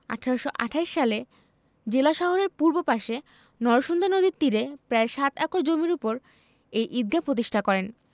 ১৮২৮ সালে জেলা শহরের পূর্ব পাশে নরসুন্দা নদীর তীরে প্রায় সাত একর জমির ওপর এই ঈদগাহ প্রতিষ্ঠা করেন